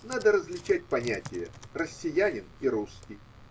Надо различать понятия: россиянин и русский.